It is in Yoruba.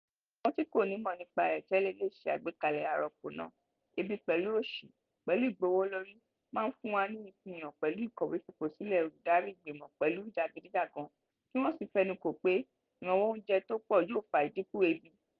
Àwọn tí kò nímọ̀ nípa ẹ̀ tẹ́lẹ̀ lè ṣe àgbékalẹ̀ àròpò náà:ebi pẹ̀lú òṣì pẹ̀lú ìgbówòlórí máa fún wa ní Ìfihàn pẹ̀lú Ìkọ̀wé fipòsílẹ̀ olùdarí Ìgbìmọ̀ pẹ̀lú Jàgídíjàgan, kí wọ́n sì fẹnukò pé ìrànwọ́ oúnjẹ́ tó pọ̀ yòó fa ìdínkù ebi.